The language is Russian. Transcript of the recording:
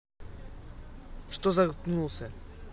что заткнулся